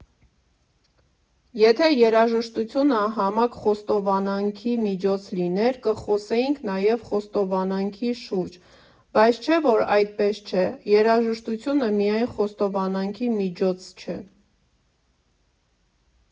֊ Եթե երաժշտությունը համակ խոստովանանքի միջոց լիներ, կխոսեինք նաև խոստովանանքի շուրջ, բայց չէ որ այդպես չէ՝ երաժշտությունը միայն խոստովանանքի միջոց չէ։